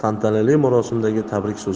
tantanali marosimdagi tabrik so'zi